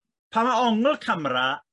pam ma' ongl camra